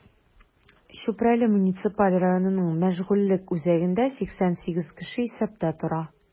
Чүпрәле муниципаль районының мәшгульлек үзәгендә 88 кеше исәптә тора.